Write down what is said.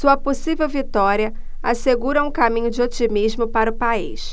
sua possível vitória assegura um caminho de otimismo para o país